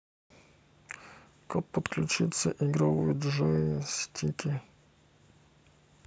как подключить игровые джойстики sberbox